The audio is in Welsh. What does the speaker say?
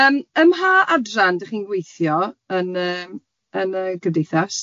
Yym ym mha adran dach chi'n gweithio yn yym, yn y Gymdeithas?